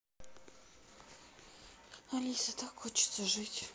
алиса так хочется жить